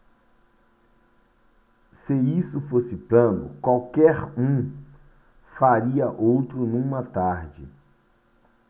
se isso fosse plano qualquer um faria outro numa tarde